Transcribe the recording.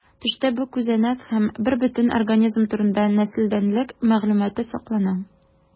Төштә бу күзәнәк һәм бербөтен организм турында нәселдәнлек мәгълүматы саклана.